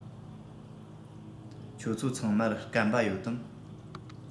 ཁྱོད ཚོ ཚང མར སྐམ པ ཡོད དམ